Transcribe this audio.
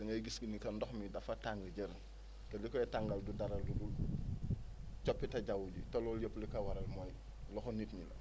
da ngay gis ni que ndox mi dafa tàng jër te li koy tàngal du dara lu dul coppite jaww ji te loolu yëpp li koy waral mooy loxo nit ñi